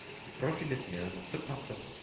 Профильле сменаның төп максаты